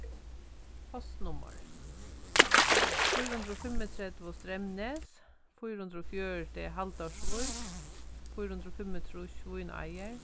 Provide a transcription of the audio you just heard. postnummur fýra hundrað og fimmogtretivu streymnes fýra hundrað og fjøruti haldórsvík fýra hundrað og fimmogtrýss svínáir